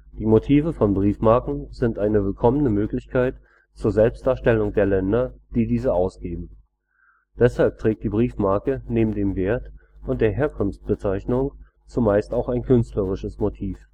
Die Motive von Briefmarken sind eine willkommene Möglichkeit zur Selbstdarstellung der Länder, die diese ausgeben. Deshalb trägt die Briefmarke neben dem Wert und der Herkunftsbezeichnung zumeist auch ein künstlerisches Motiv